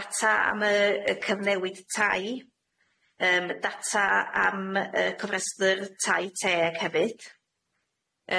data am yy y cyfnewid tai, yym data am yy cofrestyr tai teg hefyd.